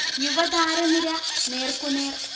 യുവതാര നിര നേർക്കുനേർ